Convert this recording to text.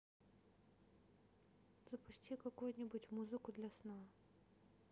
запусти какую нибудь музыку для сна